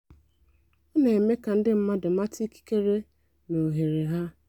Ọ na-eme ka ndị mmadụ mata ikikere na ohere ha.